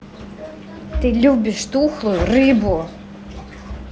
ты любишь тухлую рыбу